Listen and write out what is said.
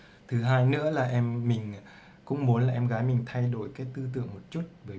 mình muốn em gái thay đổi tư tưởng chút